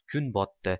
kun botdi